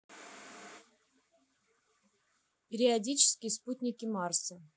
периодические спутники марса